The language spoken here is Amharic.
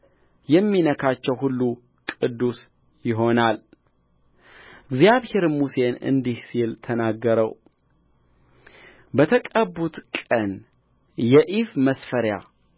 የሚነካቸው ሁሉ ቅዱስ ይሆናልእግዚአብሔርም ሙሴን እንዲህ ሲል ተናገረውበተቀቡበት ቀን የኢፍ መስፈሪያ